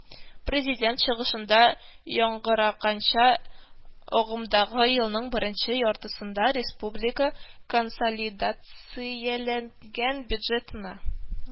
Президент чыгышында яңгыраганча, агымдагы елның беренче яртысында республика консолидацияләнгән бюджетына